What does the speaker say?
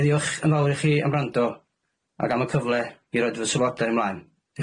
Ga'i ddiolch yn fowr i chi am wrando ac am y cyfle i roid fy sylwadau ymlaen.